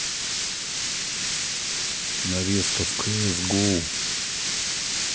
нарезка в кс гоу